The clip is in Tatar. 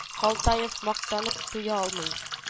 Халтаев мактанып туя алмый